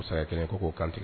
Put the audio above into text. U saya kɛ ko k'o kantigɛ